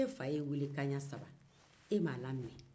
e fa y'i weele kanɲa sba e m'a laminɛ